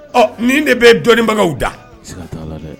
Ɔ nin de bɛ dɔnnibagaw da